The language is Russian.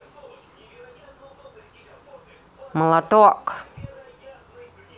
молоток